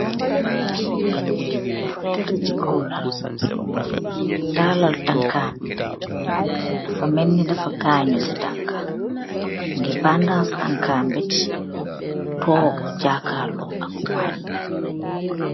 Kii dafa tedue chi kaw lal, tarlal tankam yii, dafa melni dafa gaahnju cii tankah, mungy bandass tankam bii, tok jaakarlo ak waangh bii.